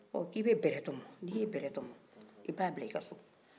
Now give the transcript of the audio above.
ɔn k'i bɛ bɛrɛ tɔmɔ n'i ye bɛrɛ tɔmɔ i b'a bila i ka so